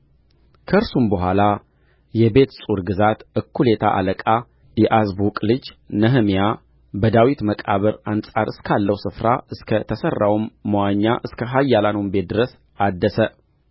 ከእርሱም በኋላ የቤትጹር ግዛት እኵሌታ አለቃ የዓዝቡቅ ልጅ ነህምያ በዳዊት መቃብር አንጻር እስካለው ስፍራ እስከ ተሠራውም መዋኛ እስከ ኃያላኑም ቤት ድረስ አደሰ